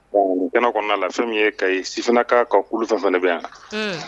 O t kɔnɔna'a la fɛn min ye ka ɲi sifin ka ka kulu fɛ fana ne bɛ yan